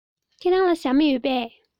ཁྱེད རང ལ ཞྭ མོ ཡོད པས